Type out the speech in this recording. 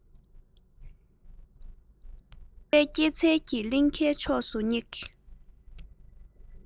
སློབ རའི སྐྱེད ཚལ གྱི གླིང གའི ཕྱོགས སུ སྙེག